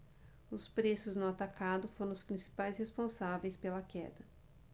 os preços no atacado foram os principais responsáveis pela queda